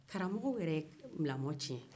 karamɔgɔw yɛrɛ ye lamɔtiɲɛ